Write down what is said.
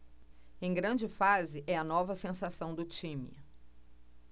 em grande fase é a nova sensação do time